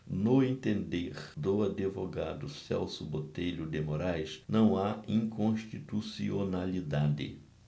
no entender do advogado celso botelho de moraes não há inconstitucionalidade